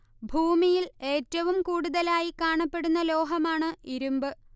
ഭൂമിയിൽ ഏറ്റവും കൂടുതലായി കാണപ്പെടുന്ന ലോഹമാണ് ഇരുമ്പ്